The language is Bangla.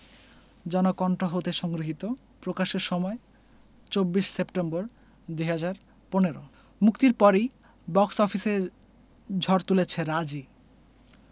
জনকণ্ঠ হতে সংগৃহীত প্রকাশের সময় ২৪ সেপ্টেম্বর ২০১৫ মুক্তির পরই বক্স অফিসে ঝড় তুলেছে রাজি